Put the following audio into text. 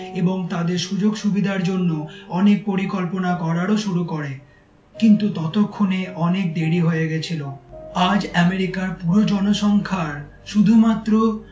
এবং তাদের সুযোগ সুবিধার জন্য অনেক পরিকল্পনা করাও শুরু করে ততক্ষনে অনেক দেরি হয়ে গেছিল আজ এমেরিকার পুরো জনসংখ্যার শুধুমাত্র